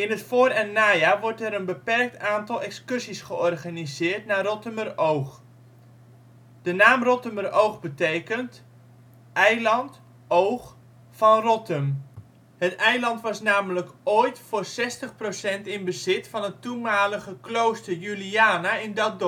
het voor - en najaar wordt er een beperkt aantal excursies georganiseerd naar Rottumeroog. De naam Rottumeroog betekent: Eiland (oog) van Rottum. Het eiland was namelijk ooit voor 60 % in bezit van het toenmalige Klooster Juliana in dat